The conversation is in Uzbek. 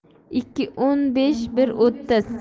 ikki o'n besh bir o'ttiz